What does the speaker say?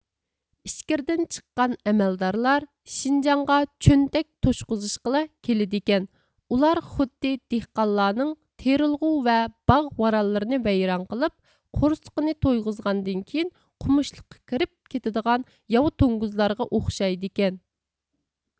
ئىچكىرىدىن چىققان ئەمەلدارلار شىنجاڭغا چۆنتەك توشقۇزۇشقىلا كېلىدىكەن ئۇلار خۇددى دېھقانلارنىڭ تېرىلغۇ ۋە باغ ۋارانلىرىنى ۋەيران قىلىپ قورسىقىنى تويغۇزغاندىن كېيىن قومۇشلۇققا كىرىپ كېتىدىغان ياۋا توڭگۇزلارغا ئوخشايدىكەن